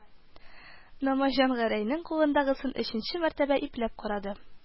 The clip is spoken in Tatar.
Намаҗан Гәрәйнең кулындагысын өченче мәртәбә ипләп карады